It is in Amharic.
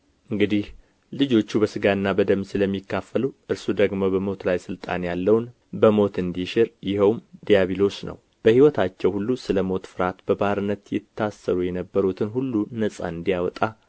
እንግዲህ ልጆቹ በሥጋና በደም ስለሚካፈሉ እርሱ ደግሞ በሞት ላይ ሥልጣን ያለውን በሞት እንዲሽር ይኸውም ዲያብሎስ ነው በሕይወታቸውም ሁሉ ስለ ሞት ፍርሃት በባርነት ይታሰሩ የነበሩትን ሁሉ ነጻ እንዲያወጣ